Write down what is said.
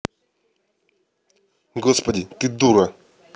господи ты дура